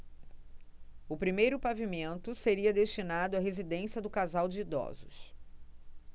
o primeiro pavimento seria destinado à residência do casal de idosos